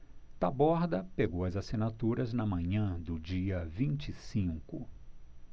taborda pegou as assinaturas na manhã do dia vinte e cinco